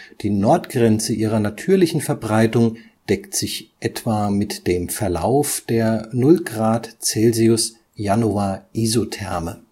Die Nordgrenze ihrer natürlichen Verbreitung deckt sich etwa mit dem Verlauf der 0-°C-Januar-Isotherme